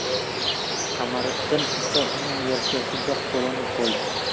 qamariddin esa uning yelkasiga qo'lini qo'ydi